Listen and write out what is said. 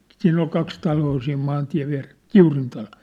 siinä oli kaksi taloa siinä maantien vieressä Kiurin talot